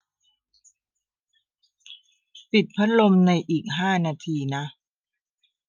ปิดพัดลมในอีกห้านาทีนะ